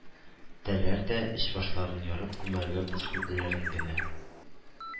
Тәләр дә, эч-башларын ярып, күмәргә буш гәүдәләрен генә